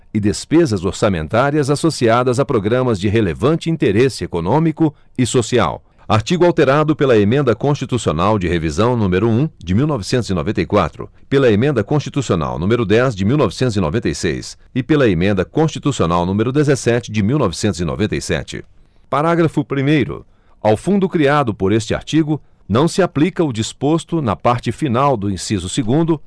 e despesas orçamentárias associadas a programas de relevante interesse econômico e social artigo alterado pela emenda constitucional de revisão número um de mil novecentos e noventa e quatro pela emenda constitucional número dez de mil novecentos e noventa e seis e pela emenda constitucional número dezessete de mil novecentos e noventa e sete parágrafo primeiro ao fundo criado por este artigo não se aplica o disposto na parte final do inciso segundo